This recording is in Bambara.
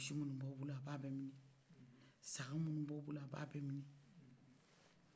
misiminuw b'a bolo a b'a bɛ minɛ saga minuw b'aw bolo a b'a bɛ minɛ